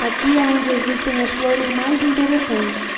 aqui é onde existem as flores mais interessantes